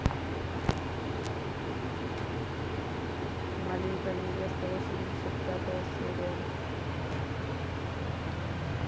маленькая невеста восемьдесят пятая серия